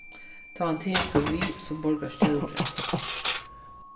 tá hann tekur við sum borgarstjóri